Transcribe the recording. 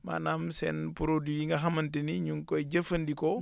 maanaam seen produits yi nga xamante ni ñu ngi koy jëfandikoo